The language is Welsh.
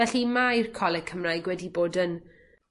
Felly mae'r Coleg Cymraeg wedi bod yn